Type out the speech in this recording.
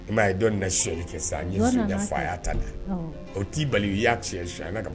I m'a ye dɔ nana suyɛli kɛ sisan an ye sonya fɔ a y'a ta da awɔ o t'i bali wiyak siyɛ